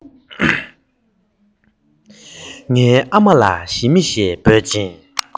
ངའི ཨ མ ལ ཞི མ ཞེས འབོད ཅིང